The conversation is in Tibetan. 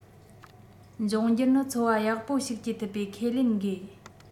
འབྱུང འགྱུར ནི འཚོ བ ཡག པོ ཞིག སྐྱེལ ཐུབ པའི ཁས ལེན དགོས